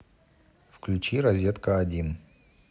включи розетка один